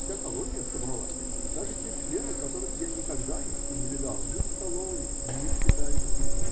Вся колония собралась, даже те члены, которых я никогда еще не видал ни в столовой, ни в читальне.